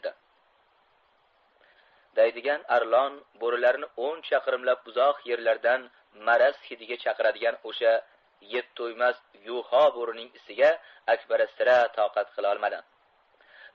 daydigan arlon bo'rilarni o'n chaqirimlab uzoq yerlardan maraz hidiga chaqiradigan o'sha yebto'ymas yuho bo'rining isiga akbara sira toqat qilolmadi